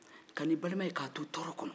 kan'i balima ye ka to tɔɔrɔ kɔrɔ